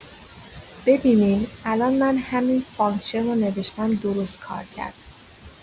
ببینین الان من همین فانکشن رو نوشتم درست‌کار کرد.